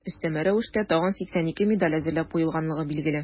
Өстәмә рәвештә тагын 82 медаль әзерләп куелганлыгы билгеле.